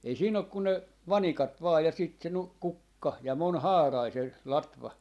ei siinä ole kuin ne vanikat vain ja sitten se - kukka ja monihaarainen se latva